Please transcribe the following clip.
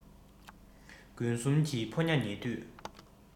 དགུན གསུམ གྱི ཕོ ཉ ཉེ དུས